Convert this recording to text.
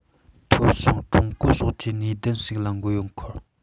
ཐོབ བྱུང ཀྲུང གོ ཕྱོགས ཀྱིས ནུས ལྡན ཞིག ལ མགོ ཡོམ འཁོར